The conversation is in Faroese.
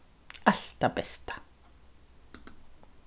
alt tað besta